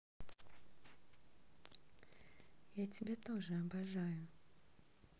я тебя тоже обожаю